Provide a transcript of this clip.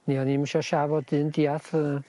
Neu o'n 'i 'im isio siafod dyn diarth yy...